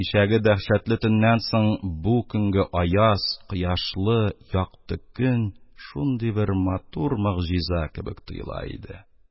Кичәге дәһшәтле төннән соң бу көнге аяз, кояшлы, якты көн шундый бер матур могҗиза кебек тоела иде.